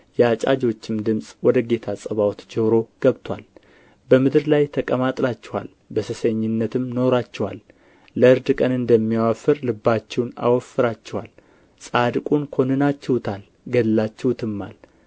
የአጫጆችም ድምፅ ወደ ጌታ ፀባዖት ጆሮ ገብቶአል በምድር ላይ ተቀማጥላችኋል በሴሰኝነትም ኖራችኋል ለእርድ ቀን እንደሚያወፍር ልባችሁን አወፍራችኋል ጻድቁን ኰንናችሁታል ገድላችሁትማል